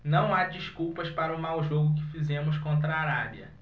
não há desculpas para o mau jogo que fizemos contra a arábia